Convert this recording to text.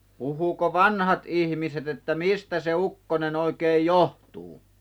puhuiko vanhat ihmiset että mistä se ukkonen oikein johtuu